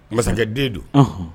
Masakɛ den don